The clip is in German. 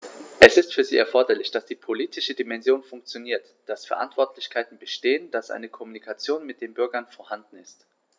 Es ist für sie erforderlich, dass die politische Dimension funktioniert, dass Verantwortlichkeiten bestehen, dass eine Kommunikation mit den Bürgern vorhanden ist.